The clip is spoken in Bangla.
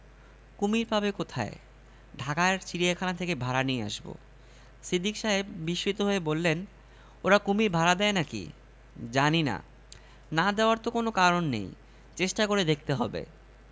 কুমীর পাবে কোথায় ঢাকার চিড়িয়াখানা থেকে ভাড়া নিয়ে আসব সিদ্দিক সাহেব বিস্মিত হয়ে বললেন ওরা কুমীর ভাড়া দেয় না কি জানি না না দেওয়ার তা কোন কারণ নেই চেষ্টা করে দেখতে হবে